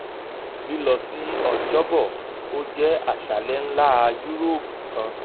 Lílọsí Ọ̀jọbọ, ó jẹ́ àṣálẹ́ ńlá Yúróòpù kan.